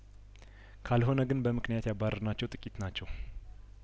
ካልሆነ ግን በምክንያት ያባረር ናቸው ጥቂት ናቸው